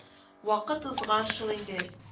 Вакыт узган шул инде